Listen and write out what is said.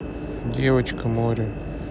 девочка море